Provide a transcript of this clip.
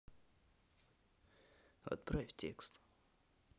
отправь текст